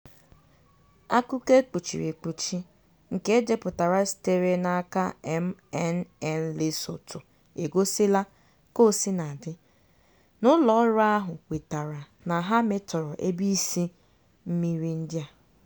Akụkọ ekpuchiri ekpuchi nke edepụtara sitere n'aka MNN Lesotho egosila, kaosinandi, na ụlọ ọrụ ahụ kwetara na ha metọrọ ebe isi mmiri ndị a.